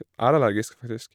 Er allergisk, faktisk.